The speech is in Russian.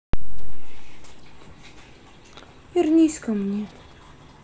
вернись ко мне